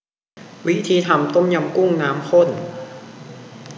วิธีทำต้มยำกุ้งน้ำข้น